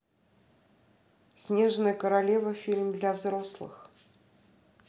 снежная королева фильм для взрослых